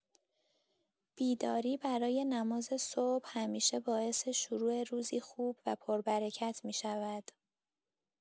بیداری برای نماز صبح همیشه باعث شروع روزی خوب و پربرکت می‌شود.